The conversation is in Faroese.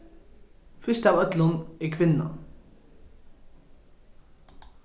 fyrst av øllum er kvinnan